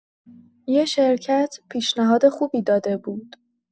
یه شرکت پیشنهاد خوبی داده بود.